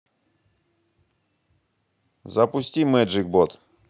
запусти мэджик бот